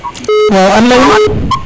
waw an leyun